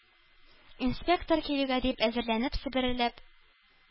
Инспектор килүгә дип әзерләнеп себерелеп